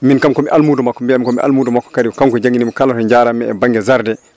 min kam komi almudo makko ko biyanmi komi almudo makko kadi ko kanko jangguini mi kala to jaaratmi e banggue jardin